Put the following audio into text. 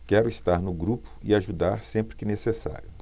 quero estar no grupo e ajudar sempre que necessário